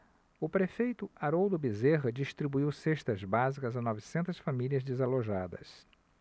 o prefeito haroldo bezerra distribuiu cestas básicas a novecentas famílias desalojadas